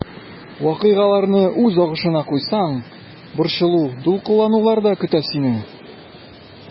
Вакыйгаларны үз агышына куйсаң, борчылу-дулкынланулар да көтә сине.